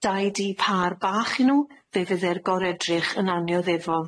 Dau dŷ pâr bach i nw, fe fydd e'r gor'o' edrych yn annioddefol.